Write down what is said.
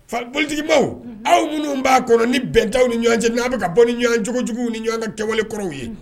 Faolitigibaw aw minnu b'a kɔnɔ ni bɛnta ni ɲɔgɔn cɛ n aw bɛ ka bɔ ni ɲɔgɔncogocogo ni ɲɔgɔn ka kɛwale kɔrɔw ye